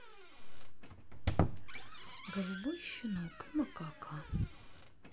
голубой щенок и макака